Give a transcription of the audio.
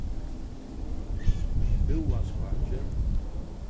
búðaskákið